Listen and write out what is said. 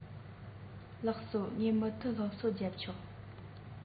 ལགས སོངས མུ མཐུད སློབ གསོ རྒྱབ ཆོག